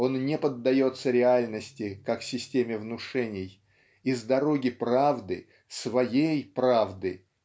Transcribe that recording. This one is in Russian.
он не поддается реальности как системе внушений и с дороги правды своей правды